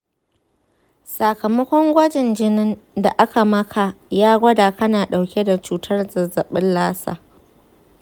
sakamakon gwajin jinin da aka maka ya gwada kana dauke cutar zazzafin lassa.